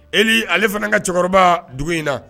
E ale fana ka cɛkɔrɔba dugu in na